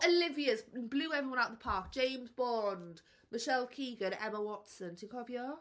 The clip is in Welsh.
Olivia's, blew everyone out the park, James Bond, Michelle Keegan, Emma Watson, ti'n cofio?